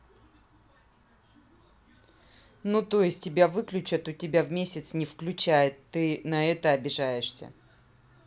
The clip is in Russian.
ну то есть тебя выключают у тебя в месяц не включает ты на это обижаешься